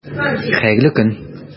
Хәерле көн!